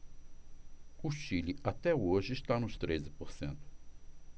o chile até hoje está nos treze por cento